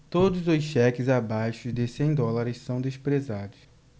todos os cheques abaixo de cem dólares são desprezados